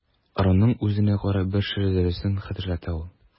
Ыруның үзенә күрә бер шәҗәрәсен хәтерләтә ул.